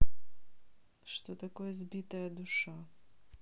что такое сбитая душа